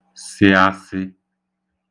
sị̄ āsị̄